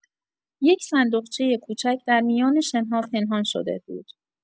یک صندوقچۀ کوچک در میان شن‌ها پنهان شده بود.